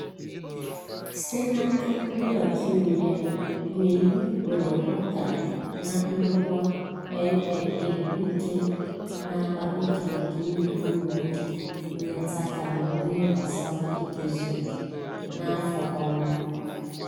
Site n'aka ndị ọkaiwu ya, Gyumi rụrụ ụka na ndokwa LMA bụ nke na-akpa oke maka inye ụmụ nwoke nleta ka mma n'ihe gbasara itozu oke n'afọ ọlụlụ.